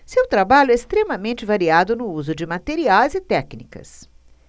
seu trabalho é extremamente variado no uso de materiais e técnicas